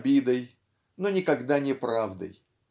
обидой, но никогда не правдой.